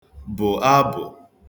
bụ̀ abụ̀